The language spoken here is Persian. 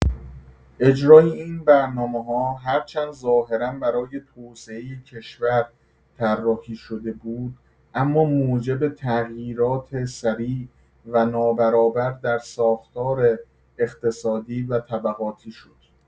اجرای این برنامه‌‌ها هرچند ظاهرا برای توسعه کشور طراحی شده بود، اما موجب تغییرات سریع و نابرابر در ساختار اقتصادی و طبقاتی شد.